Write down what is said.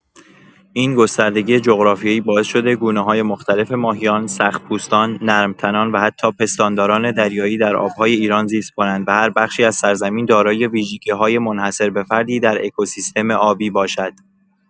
این گستردگی جغرافیایی باعث شده گونه‌های مختلف ماهیان، سخت‌پوستان، نرم‌تنان و حتی پستانداران دریایی در آب‌های ایران زیست کنند و هر بخش از سرزمین دارای ویژگی‌های منحصر به فردی در اکوسیستم آبی باشد.